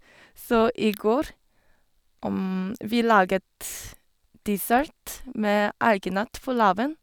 Så i går, vi laget dessert med alginat på laben.